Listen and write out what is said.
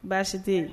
Baasi tɛ